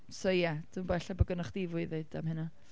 So ie. Dwi'm bo', ella bo’ gynnech chdi fwy i ddeud am hynna.